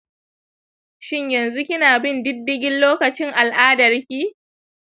shin yanzu kina bin diddigin lokacin al'adarki?